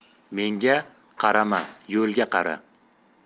menga qarama yo'lga qara